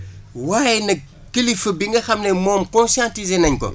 waaye nag kilifa bi nga xam ne moom conscientiser nañ ko